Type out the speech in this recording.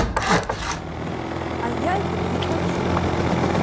а я этого не хочу